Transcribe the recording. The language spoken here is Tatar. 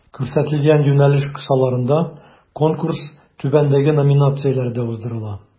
Күрсәтелгән юнәлеш кысаларында Конкурс түбәндәге номинацияләрдә уздырыла: